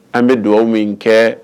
An be dugawu min kɛ